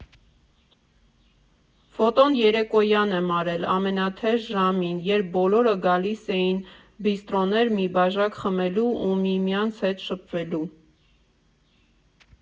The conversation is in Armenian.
Ֆոտոն երեկոյան եմ արել, ամենաթեժ ժամին, երբ բոլորը գալիս էին բիստրոներ մի բաժակ խմելու ու միմյանց հետ շփվելու։